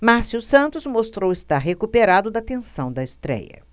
márcio santos mostrou estar recuperado da tensão da estréia